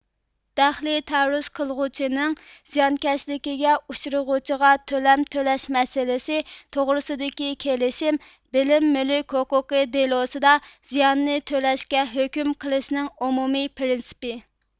دەخلى تەرۇز قىلغۇچىنىڭ زىيانكەشلىكىگە ئۇچرىغۇچىغا تۆلەم تۆلەش مەسىلىسى توغرىسىدىكى كېلىشىم بىلىم مۈلۈك ھوقۇقى دېلوسىدا زىياننى تۆلەشكە ھۆكۈم قىلىشنىڭ ئومۇمىي پرىنسىپى